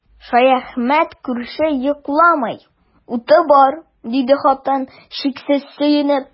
Шәяхмәт күрше йокламый, уты бар, диде хатын, чиксез сөенеп.